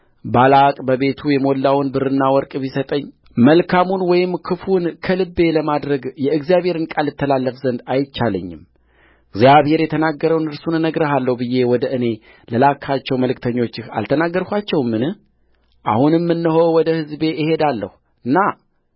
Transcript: ባላቅ በቤቱ የሞላውን ብርና ወርቅ ቢሰጠኝ መልካሙን ወይም ክፉውን ከልቤ ለማድረግ የእግዚአብሔርን ቃል እተላለፍ ዘንድ አይቻለኝም እግዚአብሔር የተናገረውን እርሱን እናገራለሁ ብዬ ወደ እኔ ለላክሃቸው መልእክተኞች አልተናገርኋቸውምን አሁንም እነሆ ወደ ሕዝቤ እሄዳለሁ ና